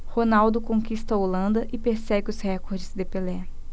ronaldo conquista a holanda e persegue os recordes de pelé